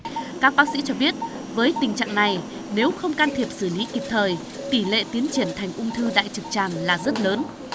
các bác sĩ cho biết với tình trạng này nếu không can thiệp xử lý kịp thời tỷ lệ tiến triển thành ung thư đại trực tràng là rất lớn